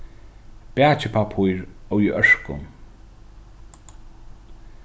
bakipappír í ørkum